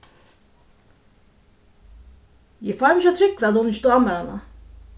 eg fái meg ikki at trúgva at honum ikki dámar hana